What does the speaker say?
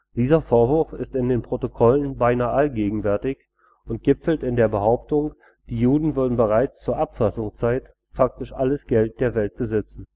Dieser Vorwurf ist in den Protokollen beinahe allgegenwärtig und gipfelt in der Behauptung, die Juden würden bereits zur Abfassungszeit faktisch alles Geld der Welt besitzen